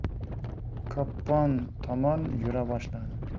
koppon tomon yura boshladi